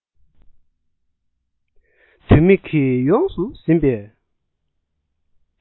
དུད སྨིག གིས ཡོངས སུ ཟིན པའི